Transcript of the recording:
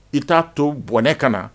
I t'a to bɔnɛ ka na